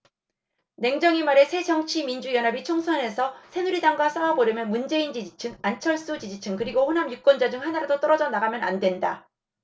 냉정히 말해 새정치민주연합이 총선에서 새누리당과 싸워보려면 문재인 지지층 안철수 지지층 그리고 호남 유권자 중 하나라도 떨어져 나가면 안 된다